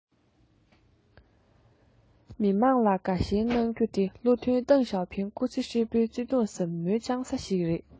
མི དམངས ལ དགའ ཞེན གནང རྒྱུ དེ བློ མཐུན ཏེང ཞའོ ཕིང སྐུ ཚེ ཧྲིལ པོའི བརྩེ དུང ཟབ མོ བཅངས ས ཞིག རེད ལ